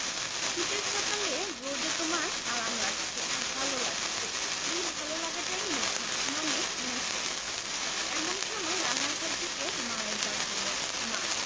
শীতের সকালে রোদে তোমার আরাম লাগছে ভালো লাগছে এই ভালো লাগাটাই মিঠা মানে মিষ্টি এমন সময় রান্নাঘর থেকে মায়ের ডাক এলো মা